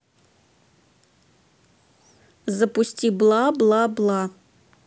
запусти бла бла бла